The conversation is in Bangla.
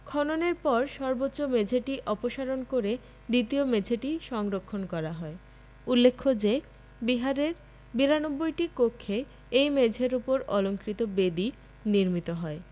খননের পর সর্বোচ্চ মেঝেটি অপসারণ করে দ্বিতীয় মেঝেটি সংরক্ষণ করা হয় উল্লেখ্য যে বিহারের ৯২টি কক্ষে এই মেঝের উপর অলংকৃত বেদি নির্মিত হয়